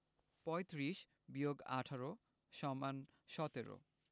৩৫ – ১৮ = ১৭